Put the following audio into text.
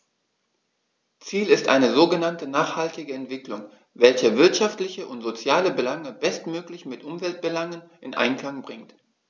Ziel ist eine sogenannte nachhaltige Entwicklung, welche wirtschaftliche und soziale Belange bestmöglich mit Umweltbelangen in Einklang bringt.